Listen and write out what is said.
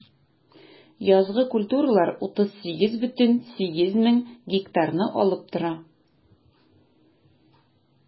Язгы культуралар 38,8 мең гектарны алып тора.